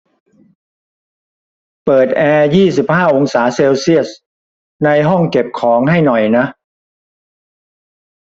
เปิดแอร์ยี่สิบห้าองศาเซลเซียสในห้องเก็บของให้หน่อยนะ